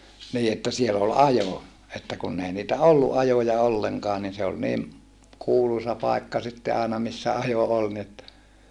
niin että siellä oli ajo että kun ei niitä ollut ajoja ollenkaan niin se oli niin kuuluisa paikka sitten aina missä ajo oli niin että